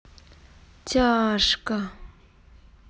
тяжко